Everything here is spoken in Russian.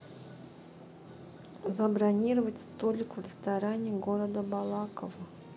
забронировать столик в ресторане города балаково